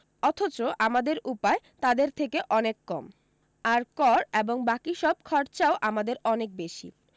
অথচ আমাদের উপায় তাদের থেকে অনেক কম আর কর এবং বাকী সব খরচাও আমাদের অনেক বেশী